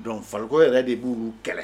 Donc farikolo yɛrɛ de b'ulu kɛlɛ